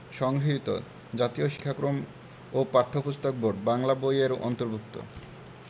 সংগৃহীত জাতীয় শিক্ষাক্রম ও পাঠ্যপুস্তক বোর্ড বাংলা বই এর অন্তর্ভুক্ত